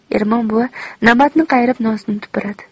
ermon buva namatni qayirib nosni tupuradi